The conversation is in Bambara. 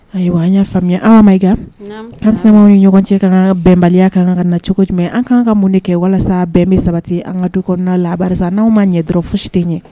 Ayiwa an y'a faamuya Awa Maiga naam kansinamaw ye ɲɔgɔn cɛ kaa bɛnbaliya kaŋa ŋana cogo jumɛn an kan ka mun de kɛ walasa bɛn be sabati an ŋa du kɔɔna la barisa n'anw ma ɲɛ dɔrɔn fosi te ɲɛ